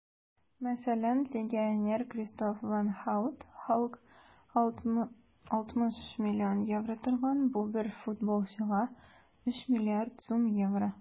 Мәсәлән, легионер Кристоф ван Һаут (Халк) 60 млн евро торган - бу бер футболчыга 3 млрд сум евро!